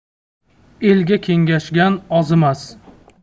elga kengashgan ozimas